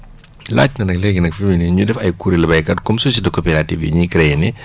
laaj na nag léegi nag fi mu ne nii ñu def ay kuréelu béykat comme société coopérative yi ñuy créé nii